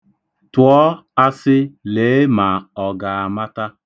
Tụọ asị lee ma ọ ga-amata.